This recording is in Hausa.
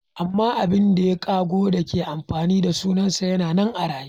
Amma abin da ya ƙago da ke amfani da sunansa yana nan a raye.